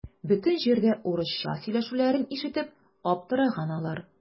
Бөтен җирдә урысча сөйләшүләрен ишетеп аптыраган алар.